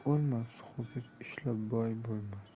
o'lmas ho'kiz ishlab boy bo'lmas